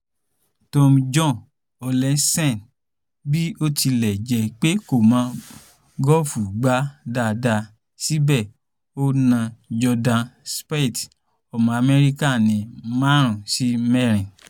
Thorbjorn Olesen, bí ó tilẹ̀ jẹ́ pé kò mọ gọ́ọ̀fù gbá dáadáa, síbẹ̀ ó na Jordan Spieth, ọmọ Amẹ́ríkà ní 5 sí 4.